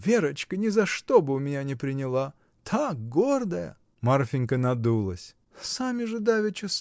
Верочка ни за что бы у меня не приняла: та — гордая! Марфинька надулась. — Сами же давеча.